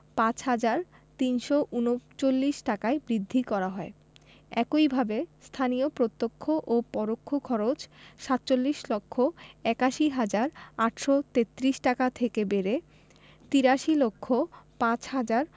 ৫ হাজার ৩৩৯ টাকায় বৃদ্ধি করা হয় একইভাবে স্থানীয় প্রত্যক্ষ ও পরোক্ষ খরচ ৪৭ লক্ষ ৮১ হাজার ৮৩৩ টাকা থেকে বেড়ে ৮৩ লক্ষ ৫ হাজার